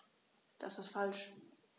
Das ist falsch.